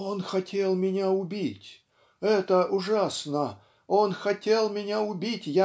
"Он хотел меня убить; это ужасно: он хотел меня убить.